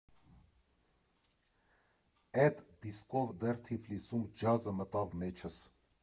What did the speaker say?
Էդ դիսկով դեռ Թիֆլիսում ջազը մտավ մեջս։